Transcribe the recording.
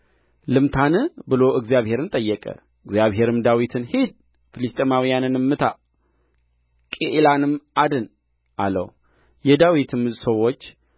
ልምታን ብሎ እግዚአብሔርን ጠየቀ እግዚአብሔርም ዳዊትን ሂድ ፍልስጥኤማውያንን ምታ ቅዒላንም አድን አለው የዳዊትም ሰዎች